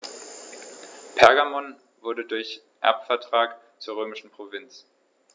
Pergamon wurde durch Erbvertrag zur römischen Provinz.